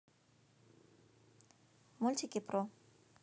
мультики про